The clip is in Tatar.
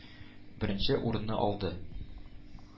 Беренче урынны алды